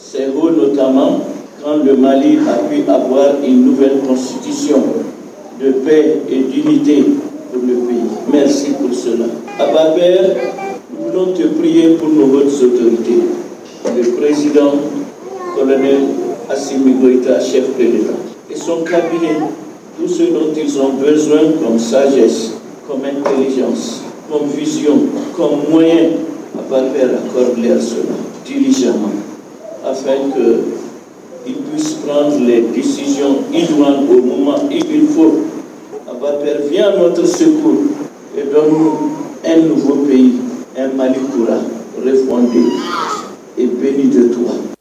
Sɛ o nɔo taama' bɛ mali awafɛsitisiy bɛ jiri ten bɛ mɛ sisola a b'a bɛ wu tɛuruye kotorite o bɛ psi kɔ bɛ asi minmo ita shɛ feere la i son ka i sodɔn tɛ son bɛson sonsasi kɔmifisiyɔn ko mɔnye a'a bɛ kɔrɔbilen sɔrɔ t jan a fɛn ka i filɛ kisiyɔn ijumuma i gfo a' pfifinya nɔtɔ seguko bɛ e numu bɛ yen e mali tora o de fɔ an denw bɛɛ ni jɔtu wa